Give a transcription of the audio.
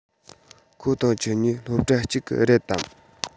ཁོ དང ཁྱོད གཉིས སློབ གྲྭ གཅིག གི རེད དམ